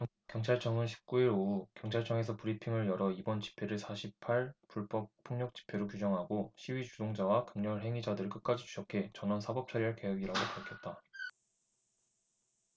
경찰청은 십 구 일 오후 경찰청에서 브리핑을 열어 이번 집회를 사 십 팔 불법 폭력 집회로 규정하고 시위 주동자와 극렬 행위자들을 끝까지 추적해 전원 사법처리할 계획이라고 밝혔다